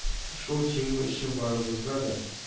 Шул җиңү өчен барыбызга да